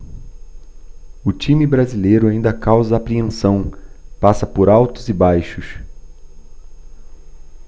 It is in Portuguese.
o time brasileiro ainda causa apreensão passa por altos e baixos